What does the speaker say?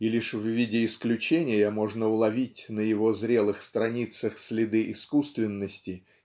И лишь в виде исключения можно уловить на его зрелых страницах следы искусственности